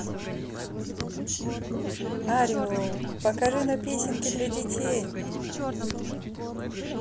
орел покажи на песенки для детей